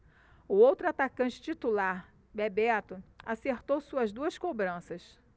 o outro atacante titular bebeto acertou suas duas cobranças